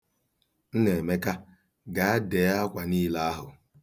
Nnaemeka, gaa, dee akwa niile ahụ.